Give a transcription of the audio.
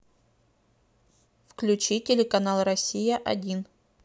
включи телеканал россия один